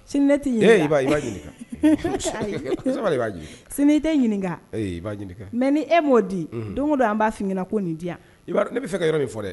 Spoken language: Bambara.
Sini ne tɛ ɲinin baa tɛ ɲininkaka i b'a mɛ ni e m'o di don don an b'a f ko nin di ne bɛ fɛ yɔrɔ de fɔ dɛ